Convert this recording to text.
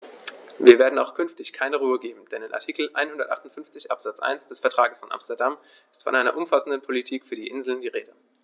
Wir werden auch künftig keine Ruhe geben, denn in Artikel 158 Absatz 1 des Vertrages von Amsterdam ist von einer umfassenden Politik für die Inseln die Rede.